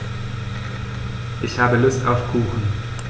Ich habe Lust auf Kuchen.